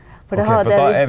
for det har det .